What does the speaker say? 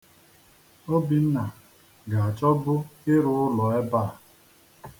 Obinna ga-achọbụ iru ulo ebe a.